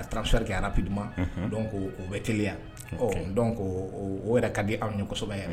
A taarasirike arap diuma ko o bɛ teliya ko o yɛrɛ ka di anw ni yan